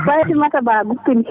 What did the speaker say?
Fatimata Ba Guppuili